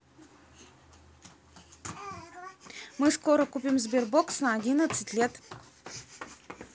мы скоро купим sberbox на одиннадцать лет